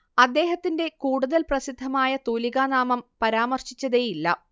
അദ്ദേഹത്തിന്റെ കൂടുതൽ പ്രസിദ്ധമായ തൂലികാനാമം പരാമർശിച്ചതേയില്ല